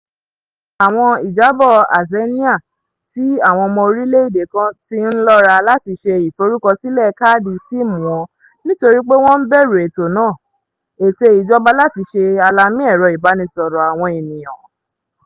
Àwọn ìjábọ̀ Azania tí àwọn ọmọ orílẹ̀ èdè kan ti ń lọ́ra láti ṣe ìforúkọsílẹ̀ káàdì SIM wọn nítorí pé wọ́n ń bẹ̀rù ètò náà "ète ìjọba láti ṣe alamí ẹ̀rọ ìbánisọ̀rọ̀ àwọn ènìyàn".